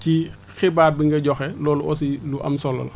ci xibaar bi nga joxe loolu aussi lu am solo la